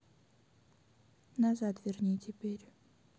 назад верни теперь